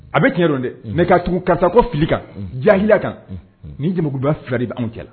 A bɛ tiɲɛɲɛ don dɛ ne ka tugu kata ko fili kan jahiya kan ni jamuba fila de anw cɛla la